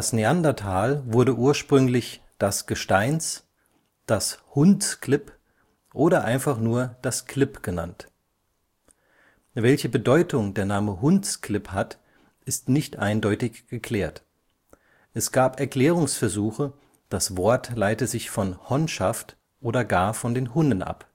Neandertal wurde ursprünglich das Gesteins, das Hundsklipp oder einfach nur das Klipp genannt. Welche Bedeutung der Name Hundsklipp (manchmal auch Hunnsklipp geschrieben) hat, ist nicht eindeutig geklärt. Es gab Erklärungsversuche, das Wort leite sich von Honnschaft oder gar von den Hunnen ab